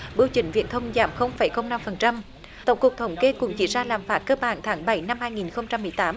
bưu chính viễn thông giảm không phẩy không năm phần trăm tổng cục thống kê cũng chỉ ra lạm phát cơ bản tháng bảy năm hai nghìn không trăm mười tám